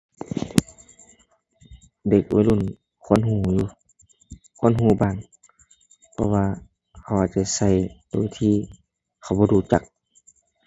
เด็กวัยรุ่นควรรู้อยู่ ควรรู้บ้าง เพราะว่า เขาอาจจะรู้โดยที่เขาบ่รู้จัก